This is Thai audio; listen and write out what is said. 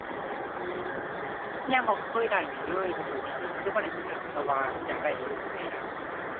ยังบ่เคยได้หยังเลย บ่รู้ว่าหยังคือบ่ได้คือกัน แต่ว่าอยากได้อยู่ในอนาคต